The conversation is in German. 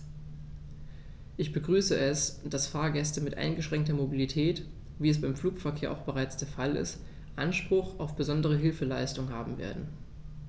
Ich begrüße es, dass Fahrgäste mit eingeschränkter Mobilität, wie es beim Flugverkehr auch bereits der Fall ist, Anspruch auf besondere Hilfeleistung haben werden.